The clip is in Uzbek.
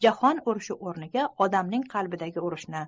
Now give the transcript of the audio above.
jahon urushi o'rniga odamning qalbidagi urushni